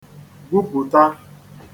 -gwupụ̀ta